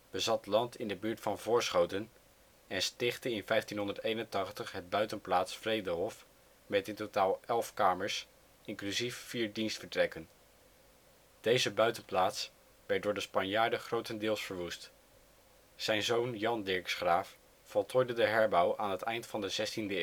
bezat land in de buurt van Voorschoten en de stichte in 1581 het buitenplaats Vredehof, met in totaal elf kamers, inclusief vier dienstvertrekken. Deze buitenplaats werd door de Spanjaarden grotendeels verwoest. Zijn zoon Jan Dirksz Graeff voltooide de herbouw aan het eind van de 16e eeuw